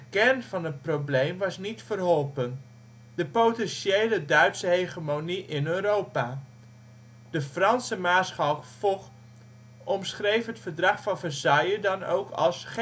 kern van het probleem was niet verholpen: de potentiële Duitse hegemonie in Europa. De Franse maarschalk Foch omschreef het Verdrag van Versailles dan ook als